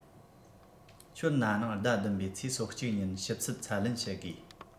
ཁྱོད ན ནིང ཟླ ༧ པའི ཚེས ༣༡ ཉིན ཞིབ དཔྱད ཚད ལེན བྱ དགོས